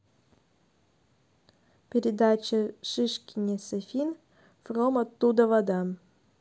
передача шишкине софин form откуда вода